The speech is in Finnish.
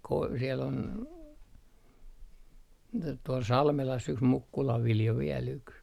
- siellä oli - tuolla Salmelassa yksi Mukkulan Viljo vielä yksi